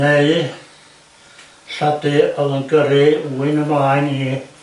Neu lladd-dy o'dd yn gyrru wŷn ymlaen i